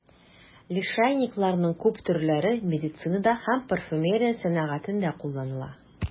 Лишайникларның күп төрләре медицинада һәм парфюмерия сәнәгатендә кулланыла.